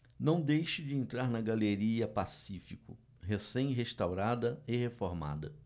não deixe de entrar na galeria pacífico recém restaurada e reformada